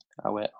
Awe.